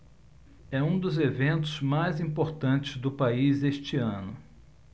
é um dos eventos mais importantes do país este ano